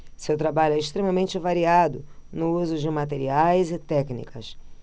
seu trabalho é extremamente variado no uso de materiais e técnicas